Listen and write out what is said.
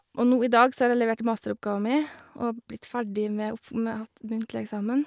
Og nå i dag så har jeg levert masteroppgava mi, og blitt ferdig med opp med hatt muntlig eksamen.